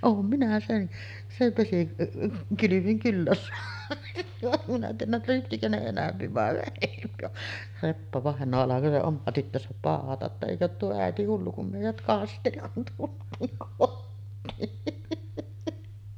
olen minä sen sen - vesikylvyn kyllä saanut saanut en tiedä lypsikö ne enempi vai vähempi vaan Reppa-vainaja alkoi se oma tyttönsä pauhata jotta eikö ole tuo äiti hullu kun meidät kasteli kun tultiin kotiin